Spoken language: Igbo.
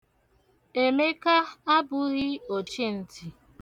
Emeka abụghị ochintị.